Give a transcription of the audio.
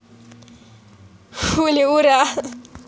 хули ура